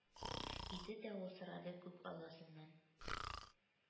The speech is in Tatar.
Иде дә ул сорады күк алласыннан: